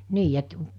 niin että